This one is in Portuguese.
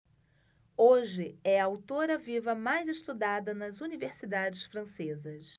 hoje é a autora viva mais estudada nas universidades francesas